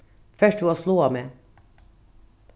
fert tú at sláa meg